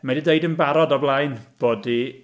Mae hi 'di dweud yn barod o'r blaen bod hi...